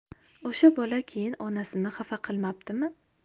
o'sha bola keyin onasini xafa qilmabdimi